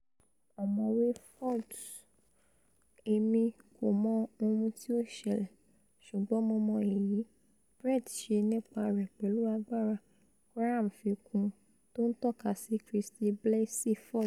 Ọ̀mọwé Ford, Èmi kò mọ ohun tí ó ṣẹlẹ̀, ṣûgbọn Mo mọ èyí: Brett ṣẹ́ nípa rẹ̀ pẹ̀lù agbára,'' Graham fi kún un, tó ńtọ́kasí Chritine Blassey Ford.